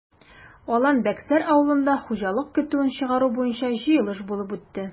Алан-Бәксәр авылында хуҗалык көтүен чыгару буенча җыелыш булып үтте.